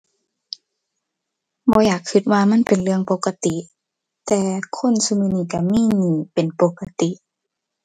บ่อยากคิดว่ามันเป็นเรื่องปกติ แต่คนซุมื้อนี้คิดมีหนี้เป็นปกติ